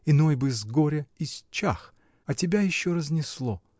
иной бы с горя исчах, а тебя еще разнесло".